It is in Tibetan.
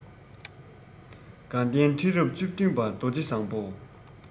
དགའ ལྡན ཁྲི རབས བཅུ བདུན པ རྡོ རྗེ བཟང པོ